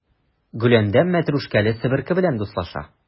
Гөләндәм мәтрүшкәле себерке белән дуслаша.